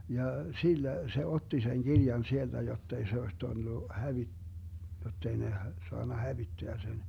ja sillä se otti sen kirjan sieltä jotta ei se olisi tullut - jotta ei ne - saanut hävittää sen